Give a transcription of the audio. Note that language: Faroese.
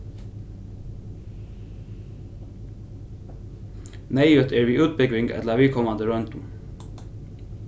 neyðugt er við útbúgving ella viðkomandi royndum